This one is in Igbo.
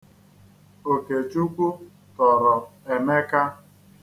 Okechukwu tọrọ Emeka.